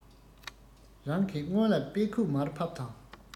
རང གི སྔོན ལ དཔེ ཁུག མར ཕབ དང